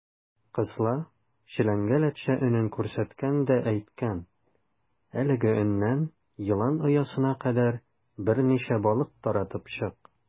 Кысла челәнгә ләтчә өнен күрсәткән дә әйткән: "Әлеге өннән елан оясына кадәр берничә балык таратып чык".